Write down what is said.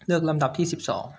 เลือกลำดับที่สิบสอง